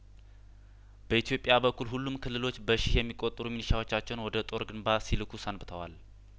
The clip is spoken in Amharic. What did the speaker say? በኢትዮጵያ በኩል ሁሉም ክልሎች በሺህ የሚቆጠሩ ሚኒ ሺያዎቻቸውን ወደ ጦር ግንባር ሲልኩ ሰንብተዋል